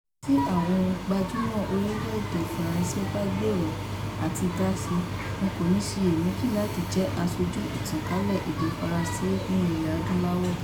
Tí àwọn gbajúmọ̀ orílẹ̀-èdè France bá gbèrò àti dási, wọn kò ní ṣiyèméjì láti jẹ́ asojú ìtànkálẹ̀ èdè Faransé ní Ilẹ̀ Adúláwò.